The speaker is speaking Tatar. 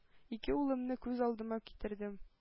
Ике улымны күз алдыма китердем,